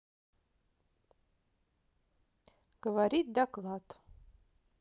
говорить доклад